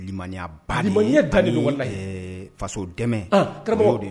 Limaya faso dɛmɛ karamɔgɔw de